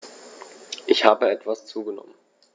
Ich habe etwas zugenommen